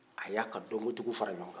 a y'a ka dɔnkotigiw fara ɲɔgɔn kan